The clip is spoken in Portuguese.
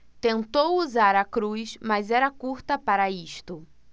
tentou usar a cruz mas era curta para isto